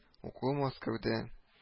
Укуы мәскәүдә